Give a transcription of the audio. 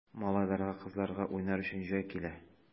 Малайларга, кызларга уйнар өчен җай килә!